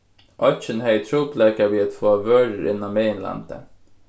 oyggin hevði trupulleikar við at fáa vørur inn á meginlandið